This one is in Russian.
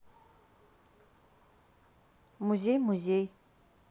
музей музей